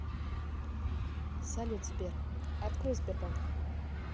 салют сбер открой сбербанк